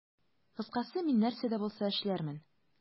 Кыскасы, мин нәрсә дә булса эшләрмен.